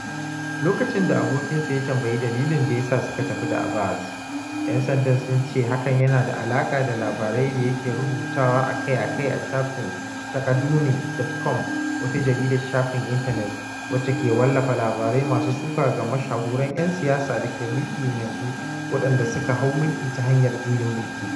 Lokacin da abokinsa ya tambayi dalilin da ya sa suka tafi da Abbass, ‘yan sandan sun ce hakan yana da alaƙa da labarai da yake rubutawa akai-akai a shafin Taqadoumy.com, wata jaridar shafin intanet wacce ke wallafa labarai masu suka ga mashahuran 'yan siyasar dake mulki a yanzu, waɗanda suka hau mulki ta hanyar juyin mulki.